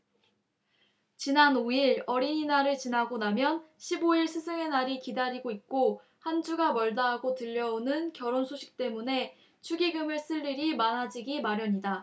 지난 오 일 어린이날을 지나고 나면 십 오 일 스승의날이 기다리고 있고 한 주가 멀다하고 들려오는 결혼 소식때문에 축의금을 쓸 일이 많아지기 마련이다